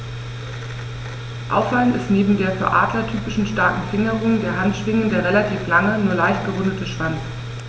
Auffallend ist neben der für Adler typischen starken Fingerung der Handschwingen der relativ lange, nur leicht gerundete Schwanz.